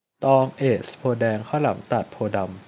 ตองเอซโพธิ์แดงข้าวหลามตัดโพธิ์ดำ